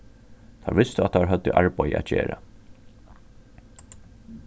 teir vistu at teir høvdu arbeiði at gera